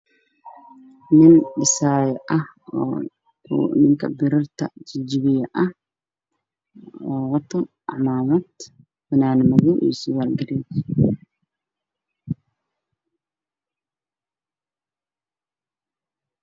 Meeshaan waxaa iiga muuqda nin farsamo yaqaan oo al waax samaynayo oo guri dhisayo